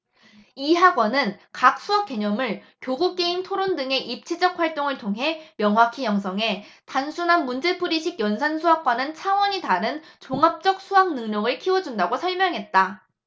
이 학원은 각 수학 개념을 교구 게임 토론 등의 입체적 활동을 통해 명확히 형성해 단순한 문제풀이식 연산수학과는 차원이 다른 종합적 수학능력을 키워준다고 설명했다